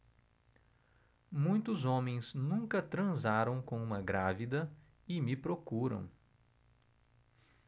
muitos homens nunca transaram com uma grávida e me procuram